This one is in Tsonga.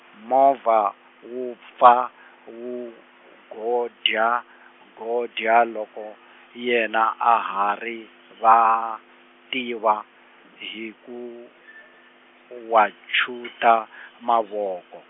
movha wu pfa, wu g- godya godya loko, yena a ha rivatiwa, hi ku , wachuta mavoko.